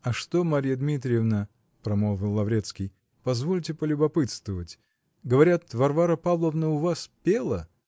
-- А что, Марья Дмитриевна, -- промолвил Лаврецкий, -- позвольте полюбопытствовать: говорят, Варвара Павловна у вас пела